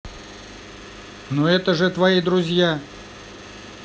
ну это же твои друзья